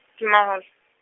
Tumahole.